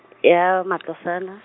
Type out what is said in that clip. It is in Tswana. ya Matlosana.